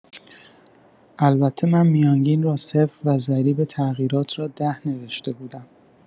البته من میانگین را صفر و ضریب تغییرات را ۱۰ نوشته بودم.